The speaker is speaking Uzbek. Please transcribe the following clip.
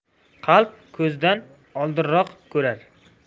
qalb ko'zdan oldinroq ko'rar